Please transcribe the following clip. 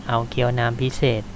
เอาเกี้ยวน้ำพิเศษ